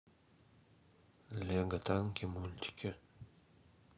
лего танки мультики